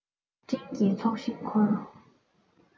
བུང བ སྤྲིན གྱི ཚོགས བཞིན འཁོར